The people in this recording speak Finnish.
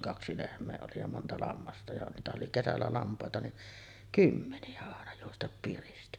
kaksi lehmää oli ja monta lammasta ja niitähän oli kesällä lampaita niin kymmeniä aina juosta piristi